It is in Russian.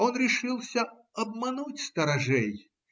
Он решился обмануть сторожей.